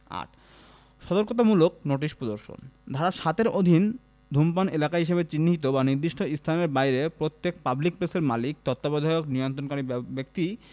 ৮ সতর্কতামূলক নোটিশ প্রদর্শনঃ ধারা ৭ এর অধীন ধুমপান এলাকা হিসাবে চিহ্নিত বা নির্দিষ্ট স্থানের বাহিরে প্রত্যেক পাবলিক প্লেসের মালিক তত্ত্বাবধায়ক নিয়ন্ত্রণকারী ব্যক্তি